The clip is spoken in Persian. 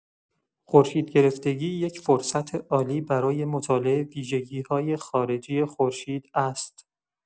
خورشیدگرفتگی یک فرصت عالی برای مطالعه ویژگی‌های خارجی خورشید است.